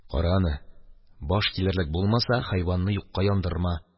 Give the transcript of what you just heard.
– кара аны, баш килерлек булмаса, хайванны юкка яндырма.